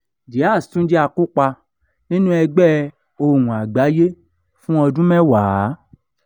Díaz tún jẹ́ olùkópa nínú ẹgbẹ́ Ohùn Àgbáyé fún ọdún mẹ́wàá.